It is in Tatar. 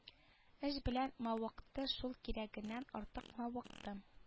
Эш белән мавыкты шул кирәгеннән артык мавыкты